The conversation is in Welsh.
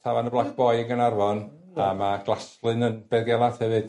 tafarn y Black Boy yn Gaernarfon a ma' Glasfryn yn Bedd Gelart hefyd.